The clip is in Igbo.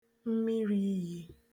mmiriiyī